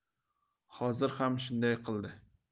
hozir ham shunday qildi